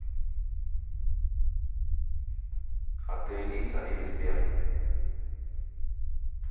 а ты алиса или сбер